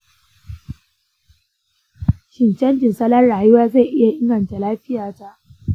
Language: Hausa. shin canjin salon rayuwa zai iya inganta lafiyata?